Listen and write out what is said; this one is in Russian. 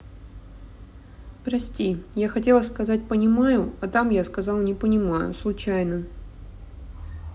прости я хотела сказать понимаю а там я сказал не понимаю случайно